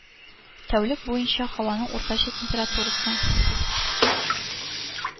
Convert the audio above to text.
Тәүлек буена һаваның уртача температурасы